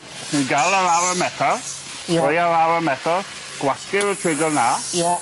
Chi'n ga'l yr ar y metal. Ie. Rhoi e ar y metal, gwasgu'r trwy fel 'na. Ie.